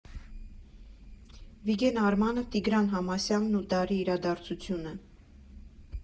Վիգեն Արմանը, Տիգրան Համասյանն ու դարի իրադարձությունը։